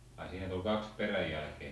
ai siihen tuli kaksi peräjälkeen